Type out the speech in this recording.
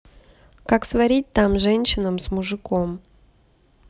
как сварить там женщинам с мужиком